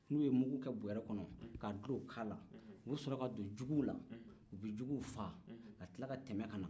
n'u ye mugu kɛ bɔrɛ kɔnɔ ka dulon u kan na u bɛ sɔrɔ ka don juguw la o bɛ juguw faga ka tila ka tɛmɛ ka na